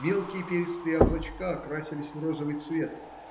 мелкие перистые облачка окрасились в розовый цвет.